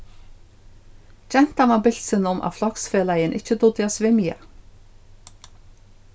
gentan var bilsin um at floksfelagin ikki dugdi at svimja